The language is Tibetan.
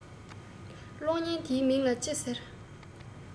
གློག བརྙན འདིའི མིང ལ ཅི ཟེར